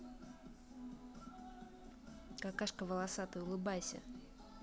какашка волосатый улыбайся